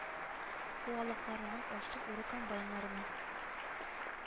Хуалыкларының ашлык уру комбайннарына